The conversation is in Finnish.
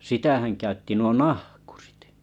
sitähän käytti nuo nahkurit